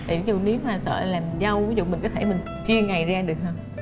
thì ví dụ nếu mà sợ làm dâu ví dụ mình có thể mình chia ngày ra được hả